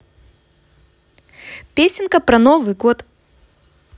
песенка про новый год